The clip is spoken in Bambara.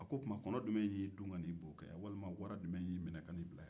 o tuma kɔnɔ jumɛn y'i dun ka n'i bo kɛ yan walima wara jumɛn y'i minɛ ka na i bila ye